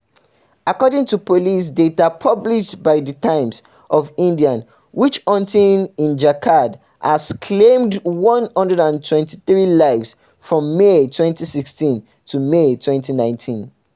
According to police data published by The Times of India, witch-hunting in Jharkhand has claimed 123 lives from May 2016 to May 2019.